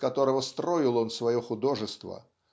из которого строил он свое художество.